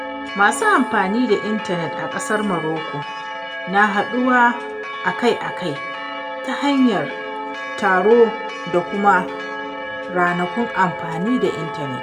Masu amfani da intanet na ƙasar Morocco na haɗuwa a-kai-a-kai ta hanyar taro da kuma ranakun amfani da intanet.